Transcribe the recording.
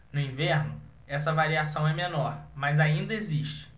no inverno esta variação é menor mas ainda existe